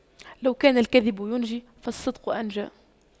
لو كان الكذب ينجي فالصدق أنجى